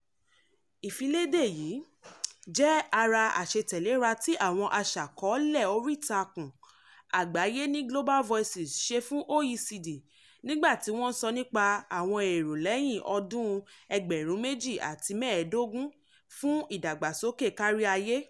Ìfiléde yìí jẹ́ ara àṣetẹ̀léra tí àwọn aṣàkọọ́lẹ̀ oríìtakùn àgbáyé ní Global Voices ṣe fún OECD nígbà tí wọ́n ń sọ nípa àwọn èrò lẹ́yìn-2015 fún ìdàgbàsókè káríayé.